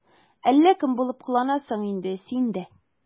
Әллә кем булып кыланасың инде син дә...